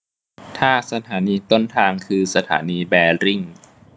ถ้าสถานีต้นทางคือสถานีแบริ่ง